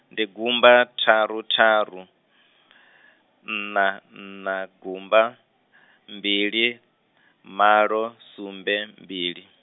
ndi gumba, ṱharu ṱharu, nṋa nṋa gumba, mbili, malo, sumbe mbili.